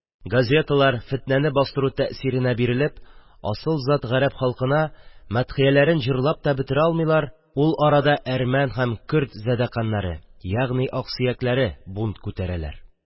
Газеталар, фетнәне бастыру тәэсиренә бирелеп, асыл зат гарәп халкына мәдхияләрен җырлап та бетерә алмыйлар, ул арада әрмән һәм көрд задакәннәре, ягън аксөякләре бунт күтәрәләр.